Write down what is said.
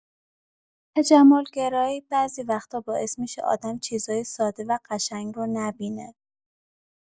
تجمل‌گرایی بعضی وقتا باعث می‌شه آدم چیزای ساده و قشنگ رو نبینه.